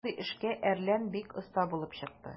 Мондый эшкә "Әрлән" бик оста булып чыкты.